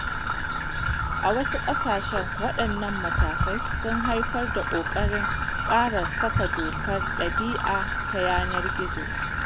A wasu ƙasashen, waɗannan matakan sun haifar da ƙoƙarin ƙara saka dokar ɗab'i ta yanar gizo